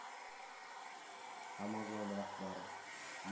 amazon rahbari